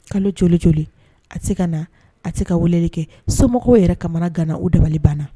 Kalo joli joli a tɛ ka na a tɛ ka weleli kɛ somɔgɔw yɛrɛ kamanaana u dabali banna